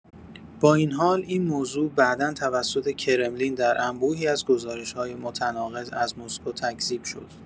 با این حال، این موضوع بعدا توسط کرملین در انبوهی از گزارش‌های متناقض از مسکو تکذیب شد.